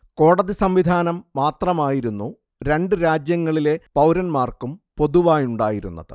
കോടതി സംവിധാനം മാത്രമായിരുന്നു രണ്ടുരാജ്യങ്ങളിലെ പൗരന്മാർക്കും പൊതുവായുണ്ടായിരുന്നത്